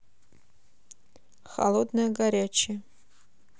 холодное горячее